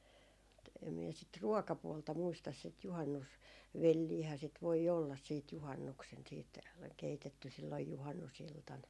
et en minä sitä ruokapuolta muista sitä - juhannusvelliähän sitä voi olla sitten juhannuksena sitten keitetty silloin juhannusiltana